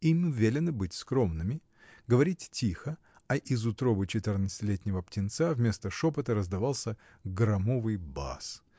Им велено быть скромными, говорить тихо, а из утробы четырнадцатилетнего птенца вместо шепота раздавался громовый бас